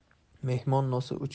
mehmon nosi uch